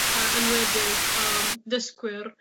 ...yy enwedig yym dysgwyr